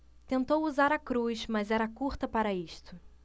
tentou usar a cruz mas era curta para isto